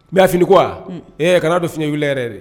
'a fini ko wa ee kana don finiele yɛrɛ dɛ